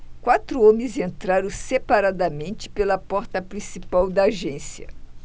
quatro homens entraram separadamente pela porta principal da agência